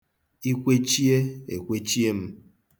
I kwechie, ekwechie m.